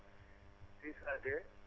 602